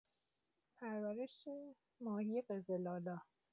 پرورش ماهی قزل‌آلا